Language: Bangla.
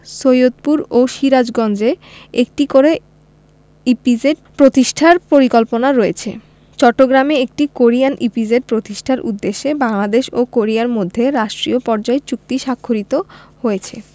সৈয়দপুর ও সিরাজগঞ্জে একটি করে ইপিজেড প্রতিষ্ঠার পরিকল্পনা রয়েছে চট্টগ্রামে একটি কোরিয়ান ইপিজেড প্রতিষ্ঠার উদ্দেশ্যে বাংলাদেশ ও কোরিয়ার মধ্যে রাষ্ট্রীয় পর্যায়ে চুক্তি স্বাক্ষরিত হয়েছে